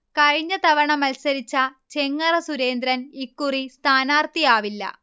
കഴിഞ്ഞതവണ മത്സരിച്ച ചെങ്ങറ സുരേന്ദ്രൻ ഇക്കുറി സ്ഥാനാർഥിയാവില്ല